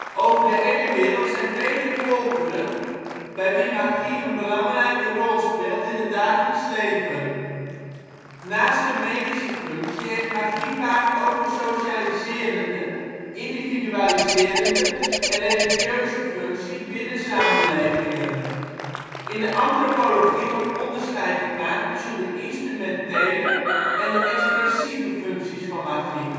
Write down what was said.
Over de hele wereld zijn vele volkeren bij wie magie een belangrijke rol speelt in het dagelijks leven. Naast een medische functie heeft magie vaak ook een socialiserende, individualiserende en religieuze functie binnen samenlevingen. In de antropologie wordt onderscheid gemaakt tussen de " instrumentele " en de " expressieve " functies van magie